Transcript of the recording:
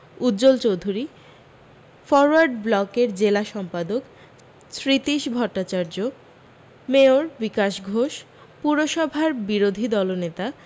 উজ্জ্বল Chowdhury forward ব্লকের জেলা সম্পাদক স্মৃতীশ ভট্টাচার্য মেয়র বিকাশ ঘোষ পুরসভার বিরোধী দলনেতা